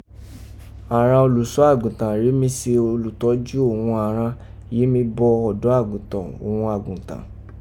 àghan Oluso agutan rèé mi se olutoju òghun àghan yìí mí bọ́ ọdọ aguntan òghun agutan.